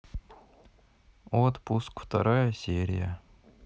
отпуск вторая серия